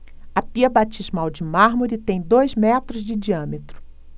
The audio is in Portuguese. a pia batismal de mármore tem dois metros de diâmetro